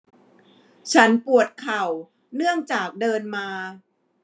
ฉันปวดเข่าเนื่องจากเดินมา